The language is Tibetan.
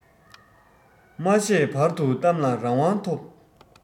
མ བཤད བར དུ གཏམ ལ རང དབང ཐོབ